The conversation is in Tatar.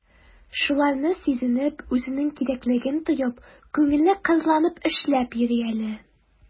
Шуларны сизенеп, үзенең кирәклеген тоеп, күңеле кырланып эшләп йөри әле...